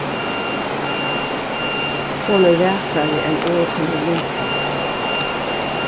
hon er vakrari enn orð kunnu lýsa